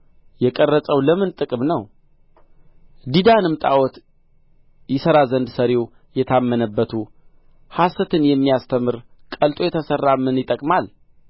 የተቀረጸውን ምስል ሠሪው የቀረጸው ለምን ጥቅም ነው ዲዳንም ጣዖት ይሠራ ዘንድ ሠሪው የታመነበቱ ሐሰትን የሚያስተምር ቀልጦ የተሠራ ምን ይጠቅማል